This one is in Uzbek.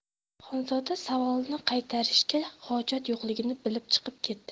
xonzoda savolni qaytarishga hojat yo'qligini bilib chiqib ketdi